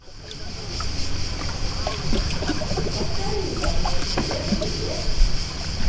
повтори за мной привет привет